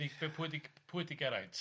Be- be- pwy 'di pwy 'di Geraint?